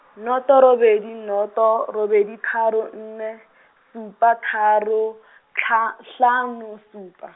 noto robedi noto robedi tharo nne, supa tharo, tlha-, hlano supa.